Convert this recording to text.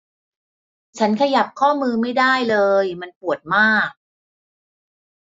ฉันขยับข้อมือไม่ได้เลยมันปวดมาก